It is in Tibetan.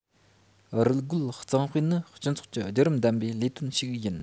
རུལ རྒོལ གཙང སྤེལ ནི སྤྱི ཚོགས ཀྱི རྒྱུད རིམ ལྡན པའི ལས དོན ཞིག ཡིན